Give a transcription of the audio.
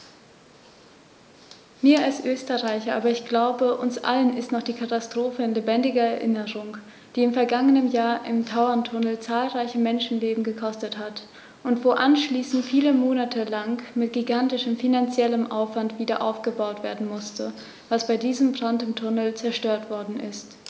Mir als Österreicher, aber ich glaube, uns allen ist noch die Katastrophe in lebendiger Erinnerung, die im vergangenen Jahr im Tauerntunnel zahlreiche Menschenleben gekostet hat und wo anschließend viele Monate lang mit gigantischem finanziellem Aufwand wiederaufgebaut werden musste, was bei diesem Brand im Tunnel zerstört worden ist.